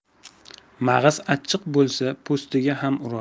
mag'iz achchiq bo'lsa po'stiga ham urar